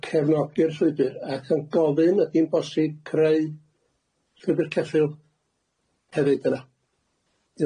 yn cefnogi'r llwybr ac yn gofyn ydi'n bosib creu llwybr ceffyl hefyd yno.